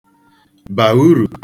bà urù